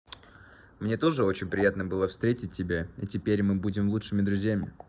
мне тоже очень приятно было встретить тебя и теперь мы будем лучшими друзьями